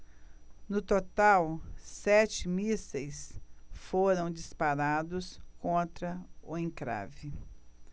no total sete mísseis foram disparados contra o encrave